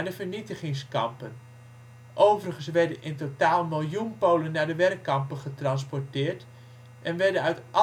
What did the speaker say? Vernietigingskampen. Overigens werden ook in totaal een miljoen Polen naar werkkampen getransporteerd, en werden uit